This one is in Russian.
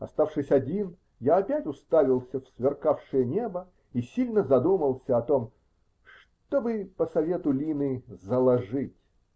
Оставшись один, я опять уставился в сверкавшее небо и сильно задумался о том, что бы -- по совету Лины -- "заложить".